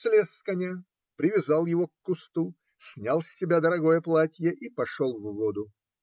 Слез с коня, привязал его к кусту, снял с себя дорогое платье и пошел в воду.